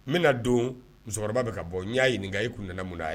N bɛna na don musokɔrɔba bɛ ka bɔ n y'a ɲininka i kun nana munna yan?